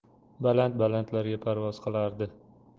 baland balandlarga parvoz qilardi